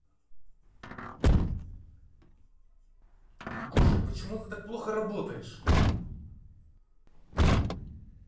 гоша почему ты так плохо работаешь